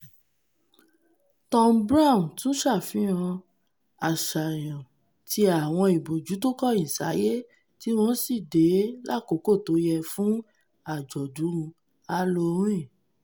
Thom Browne tún ṣàfihàn àṣàyan ti àwọn ìbòjú tókọyìnsáyé - tíwọn sí dé láàkókò tóyẹ fún àjọdún Halloween.